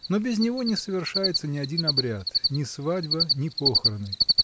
но без него не совершается ни один обряд ни свадьба, ни похороны.